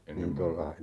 Ennen vanhaan